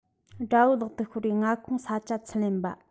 དགྲ བོའི ལག ཏུ ཤོར བའི མངའ ཁོངས ས ཆ ཚུར ལེན པ